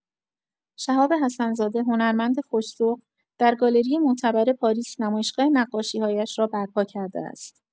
شهاب حسن‌زاده، هنرمند خوش‌ذوق، در گالری معتبر پاریس نمایشگاه نقاشی‌هایش را برپا کرده است.